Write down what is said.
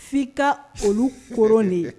F'i ka olu kɔrɔnen ye